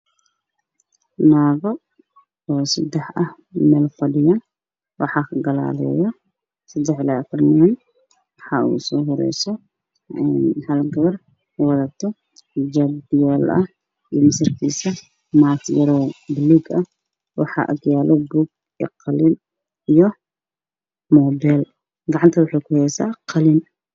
NAAGO OO SADEX AH OO MEEL FADHIYO WAXAA KA GADAALEEYO SADEX ILAA AFAR NIN WAXAA UGU SOO HORAYSO HAL GABAR OO WADATO XIJAAB MADOW AH IYO SAWIRKIISA BAATI YAR OO BULUUG AH WAXAA AG YAALO BUUG IYO QALIN IYO MOOBEEL GACANTA WAXAY KU HAYSAA QALIN